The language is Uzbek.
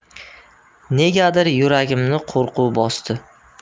negadir yuragimni qo'rquv bosdi